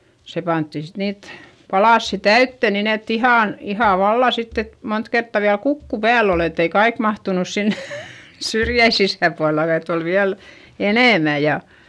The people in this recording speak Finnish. se pantiin sitten niitä palasia täyteen niin että ihan ihan vallan sitten että monta kertaa vielä kukku päällä oli että ei kaikki mahtunut sinne syrjien sisäpuolella että oli vielä enemmän ja